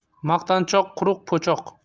maqtanchoq quruq po'choq